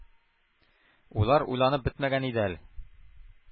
Уйлар уйланып бетмәгән иде әле.